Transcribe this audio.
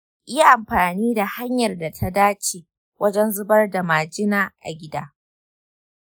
yi amfani da hanyar da ta dace wajen zubar da majina a gida.